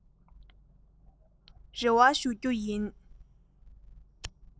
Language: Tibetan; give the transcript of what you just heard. རེ བ ཞུ རྒྱུ ཡིན ལ